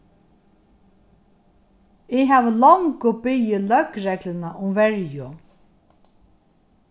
eg havi longu biðið løgregluna um verju